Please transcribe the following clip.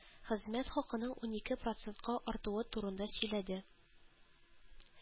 Хезмәт хакының унике процентка артуы турында сөйләде